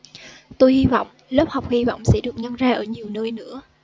tôi hi vọng lớp học hi vọng sẽ được nhân ra ở nhiều nơi nữa